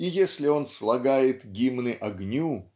и если он слагает гимны огню